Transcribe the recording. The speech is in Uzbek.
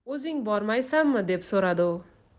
o'zing bormaysanmi deb so'radi u